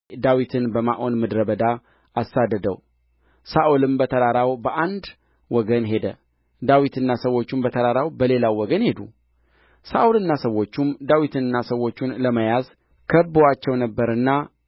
ዳዊትን በማዖን ምድረ በዳ አሳደደው ሳኦልም በተራራው በአንድ ወገን ሄደ ዳዊትና ሰዎቹም በተራራው በሌላው ወገን ሄዱ ሳኦልና ሰዎቹም ዳዊትንና ሰዎቹን ለመያዝ ከብበዋቸው ነበርና